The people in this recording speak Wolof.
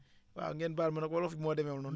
waaw ngeen baal ma nag wolof bi moo demeewul noonu